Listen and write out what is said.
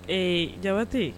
Ee Jabate